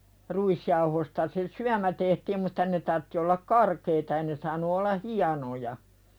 ruisjauhosta se syömä tehtiin mutta ne tarvitsi olla karkeita ei ne saanut olla hienoja